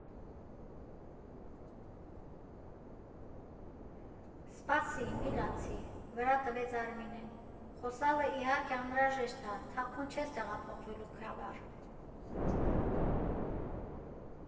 ֊ Սպասի, մի լացի, ֊ վրա տվեց Արմինեն, ֊ խոսալը իհարկե անհրաժեշտ ա, թաքուն չես տեղափոխվելու Քյավառ։